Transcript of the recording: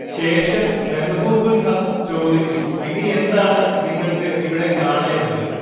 ശേഷം മെഹ്ബൂബുൽ ഹഖ് ചോദിച്ചു: ഇനിയെന്താണ് നിങ്ങൾക്ക് ഇവിടെ കാണേണ്ടത്